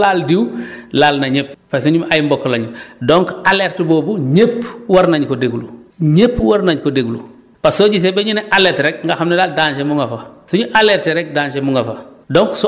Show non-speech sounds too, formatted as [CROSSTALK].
donc dara su ca su xewee mu laal diw [BREATH] laal na ñëpp parce que ñun ay mbokk la ñu [BREATH] donc alerte boobu ñëpp war nañu ko déglu ñëpp war nañu ko déglu parce que soo gisee ba ñu nee alerte rek nga xam ne daal danger mu nga fa su ñu alerter rek danger mu nga fa